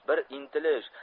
bir intilish